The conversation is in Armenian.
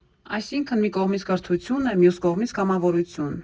Այսինքն՝ մի կողմից կրթություն է, մյուս կողմից՝ կամավորություն։